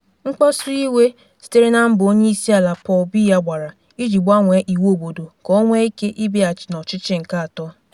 Mkpasu iwu sitere na mbọ onyeisiala Paul Biya gbara iji gbanwee iwu obodo ka o nwe ike ịbịaghachi n’ọchichị nke atọ.